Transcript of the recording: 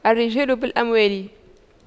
الرجال بالأموال